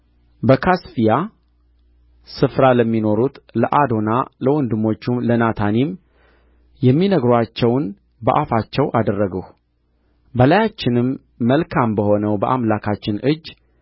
በካሲፍያ ስፍራ ለሚኖሩት ለአዶና ለወንድሞቹ ለናታኒም የሚነግሩአቸውን በአፋቸው አደረግሁ በላያችንም መልካም በሆነው በአምላካችን እጅ